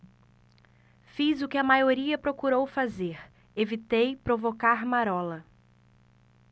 fiz o que a maioria procurou fazer evitei provocar marola